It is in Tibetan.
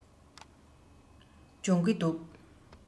སྦྱོང གི འདུག